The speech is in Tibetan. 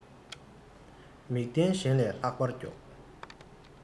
མིག ལྡན གཞན ལས ལྷག པར མགྱོགས